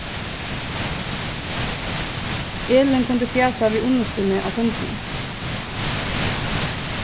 elin kundi fjasa við unnustuni á fundinum